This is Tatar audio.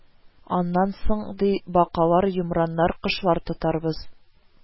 Аннан соң ди, бакалар, йомраннар, кошлар тотарбыз